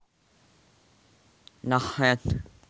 nasheed